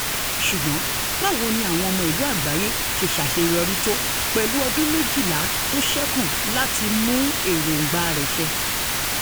Ṣùgbọn báwo ni àwọn Ọmọ Ìlú Àgbáyé ṣe ṣàṣeyọrí tó pẹ̀lú ọdún méjìlá tóṣẹ́kù láti mú èróńgbà rẹ̀ ṣẹ?